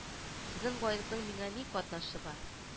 Сезнең байлыкның миңа ни катнашы бар